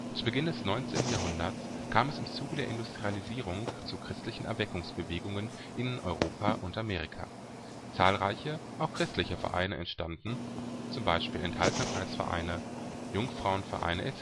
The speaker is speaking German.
Zu Beginn des 19. Jahrhunderts kam es im Zuge der Industrialisierung zu christlichen Erweckungsbewegungen in Europa und Amerika. Zahlreiche – auch christliche – Vereine entstanden (Enthaltsamkeitsvereine, Jungfrauenvereine